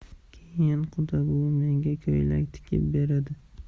keyin quda buvi menga ko'ylak tikib beradi